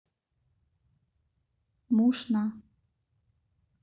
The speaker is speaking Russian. муж на